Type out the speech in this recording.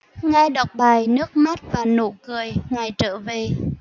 nghe đọc bài nước mắt và nụ cười ngày trở về